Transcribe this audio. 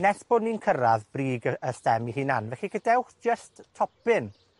nes bod ni'n cyrradd brig yy y stem 'i hunan. Felly, gadewch jyst topyn